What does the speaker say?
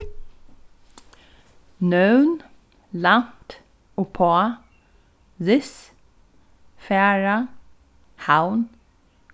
nøvn lænt uppá this fara havn